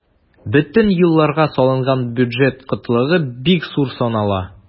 Бөтен елларга салынган бюджет кытлыгы бик зур санала.